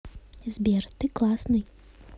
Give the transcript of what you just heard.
сбер ты классный